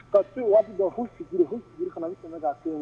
Ka so waati fili siri kana tɛmɛ so